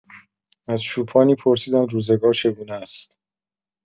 از چوپانی پرسیدند روزگار چگونه است؟